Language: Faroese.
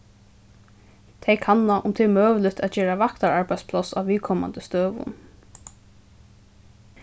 tey kanna um tað er møguligt at gera vaktararbeiðspláss á viðkomandi støðum